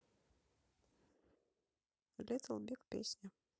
литтл биг песни